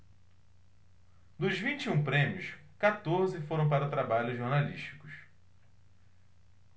dos vinte e um prêmios quatorze foram para trabalhos jornalísticos